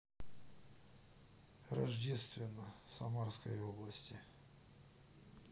рождественно самарской области